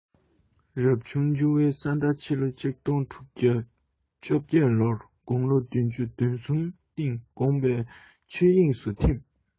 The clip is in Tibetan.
རབ བྱུང བཅུ བའི ས རྟ ཕྱི ལོ ༡༦༡༨ ལོར དགུང ལོ བདུན ཅུ དོན གསུམ སྟེང དགོངས པ ཆོས དབྱིངས སུ འཐིམས